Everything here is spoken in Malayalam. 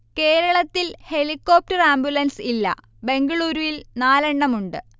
കേരളത്തിൽ ഹെലികോപ്റ്റർ ആംബുലൻസ് ഇല്ല ബെംഗളൂരുവിൽ നാലെണ്ണമുണ്ട്